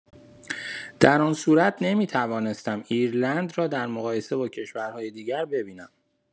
در آن صورت نمی‌توانستم ایرلند را در مقایسه با کشورهای دیگر ببینم.